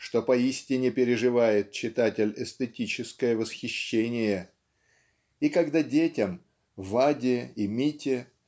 что поистине переживает читатель эстетическое восхищение. И когда детям Ваде и Мите